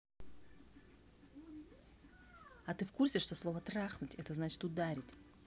а ты в курсе что слово трахнуть это значит ударить